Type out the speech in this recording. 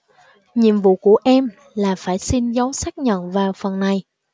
nhiệm vụ của em là phải xin dấu xác nhận vào phần này